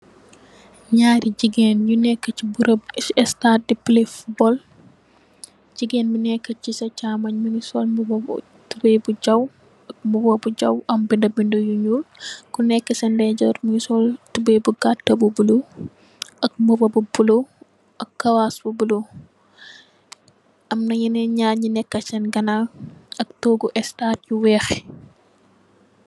Nyari jigeen yu neek ci borom ci estati play futbal jigeen bu nek ci sa chamonj mungi sol mbuba bu tubey bu jaw mbuba bu jaw am binda binda yu nyool ku nek ci sa ndeyjoor mungi sol tubey bu gat bu bulo ak mbuba bu bulo ak kawas bu bulo amna yenen nyaar yu neka Sen ganaw ak togu estaat yu weex